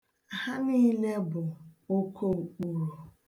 Ha niile bụ okookporo.